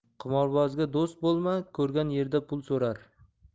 qimorbozga do'st bo'lma ko'rgan yerda pul so'rar